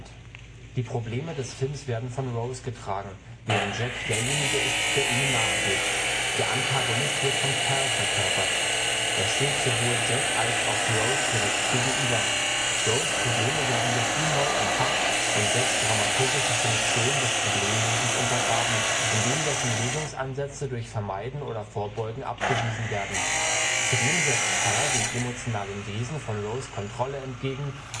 Probleme des Films werden von Rose getragen, während Jack derjenige ist, der ihnen nachgeht. Der Antagonist wird von Cal verkörpert. Er steht sowohl Jack als auch Rose direkt gegenüber. Rose’ Probleme werden durch ihn neu entfacht und Jacks dramaturgische Funktion des „ Problemlösens “untergraben, indem dessen Lösungsansätze durch Vermeiden oder Vorbeugen abgewiesen werden. Zudem setzt Cal dem emotionalen Wesen von Rose Kontrolle entgegen